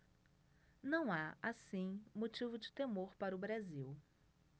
não há assim motivo de temor para o brasil